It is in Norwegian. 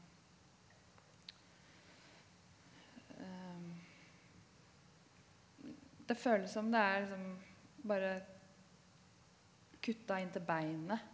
det føles som det er som bare kutta inn til beinet.